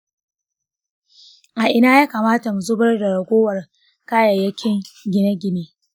a ina ya kamata mu zubar da ragowar kayayyakkin gine-gine?